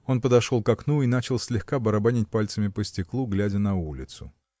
Он подошел к окну и начал слегка барабанить пальцами по стеклу глядя на улицу.